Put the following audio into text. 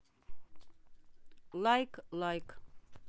лайк лайк